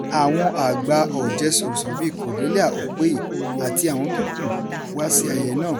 Àwọn àgbà ọ̀jẹ̀ẹ sọ̀rọ̀sọ̀rọ̀ bíi Cordelia Okpei àti àwọn tó kù wá sí ayẹyẹ náà.